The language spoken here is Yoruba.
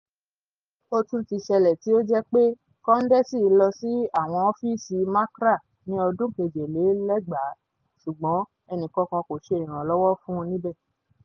Ó tún ti sẹlẹ̀ tí ó jẹ́ pé Kondesi lọ sí àwọn ọ́fíìsì MACRA ní ọdún 2007, ṣùgbọ́n ẹnìkankan kò ṣe ìrànlọ́wọ́ fún un níbẹ̀.